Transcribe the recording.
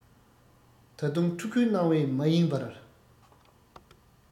ད དུང ཕྲུ གུའི སྣང བས མ ཡེངས པར